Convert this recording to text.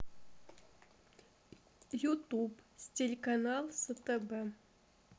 ютуб телеканал стб